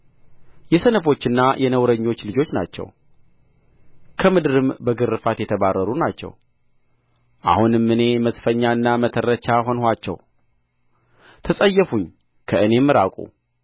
የሰነፎችና የነውረኞች ልጆች ናቸው ከምድርም በግርፋት የተባረሩ ናቸው አሁንም እኔ መዝፈኛና መተረቻ ሆንኋቸው ተጸየፉኝ ከእኔም ራቁ